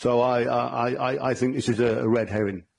So I I I I I think this is a a red herring.